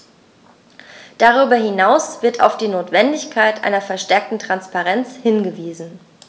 Darüber hinaus wird auf die Notwendigkeit einer verstärkten Transparenz hingewiesen.